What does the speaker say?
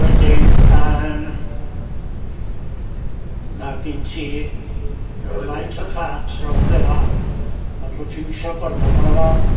Wedyn yym ma' genti rywfaint o fat rownd fel 'na ond ti'm isio gormod ona fo.